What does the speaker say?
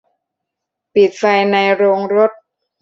ปิดไฟในโรงรถ